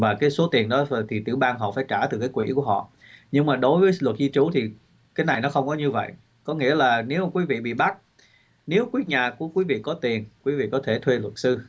và các số tiền đó thời kỳ tiểu bang họ phải trả từ quỹ của họ nhưng mà đối với luật di trú thì cái này nó không có như vậy có nghĩa là nếu quý vị bị bắt nếu quý nhà của quý vị có tiền quý vị có thể thuê luật sư